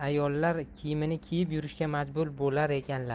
ayollar kiyimini kiyib yurishga majbur bo'lar ekanlar